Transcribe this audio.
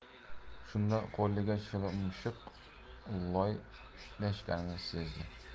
shunda qo'liga shilimshiq loy ilashganini sezdi